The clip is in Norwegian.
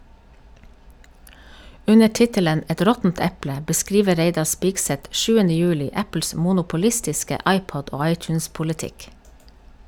Under tittelen "Et råttent eple" beskriver Reidar Spigseth 7. juli Apples monopolistiske iPod- og iTunes-politikk.